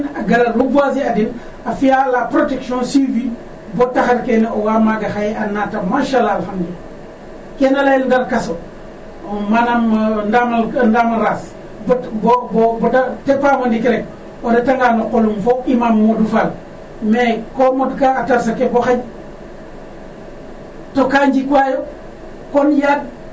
A gar a reboiser a den a fi'aa la protection suivie bo taxar kene o way maaga, a naata masaala. Ke na layel darkase manam ndamaras bo ta paam o ndik rek ,o retangaa qolum fop imaam Modu Fall mais ko moɗka a tarkase ke bo xeƴ to ka njikwaayo ko yaag.